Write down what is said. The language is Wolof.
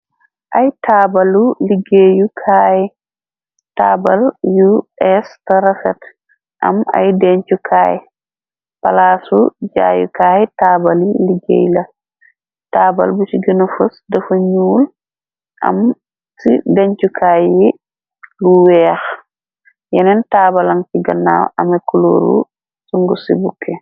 Ay taabalu liggéeyukaay taabal yu s tarafet am ay dencukaay palaasu jaayukaay taabali liggéey la taabal bu ci gëna fës dafa ñuul am ci dencukaay yi lu weex yeneen taabalan ci gannaaw ame kuluuru su ngu ci bukke.